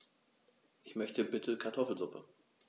Ich möchte bitte Kartoffelsuppe.